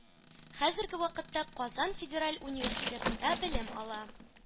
Хәзерге вакытта казан федераль университетында белем ала.